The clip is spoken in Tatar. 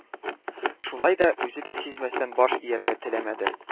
Шулай да, үзе дә сизмәстән, баш ияргә теләмәде